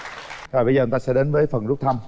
rồi bây giờ chúng ta sẽ đến với phần rút thăm